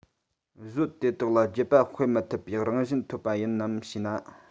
གཟོད དེ དག ལ རྒྱུད པ སྤེལ མི ཐུབ པའི རང བཞིན ཐོབ པ ཡིན ནམ ཞེ ན